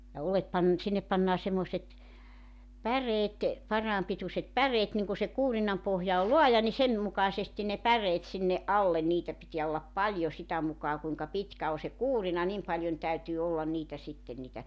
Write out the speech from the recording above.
ja oljet - sinne pannaan semmoiset päreet parhaan pituiset päreet niin kun se kuurinan pohja on laaja niin sen mukaisesti ne päreet sinne alle niitä pitää olla paljon sitä mukaa kuinka pitkä on se kuurina niin paljon täytyy olla niitä sitten niitä